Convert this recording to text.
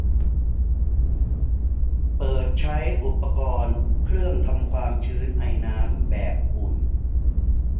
เปิดใช้อุปกรณ์เครื่องทำความชื้นไอน้ำแบบอุ่น